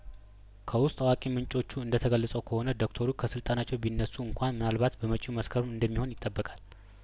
ከውስጥ አዋቂ ምንጮቹ እንደተገለጸው ከሆነ ዶክተሩ ከስልጣናቸው ቢነሱ እንኳን ምናልባት በመጪው መስከረም እንደሚሆን ይጠበቃል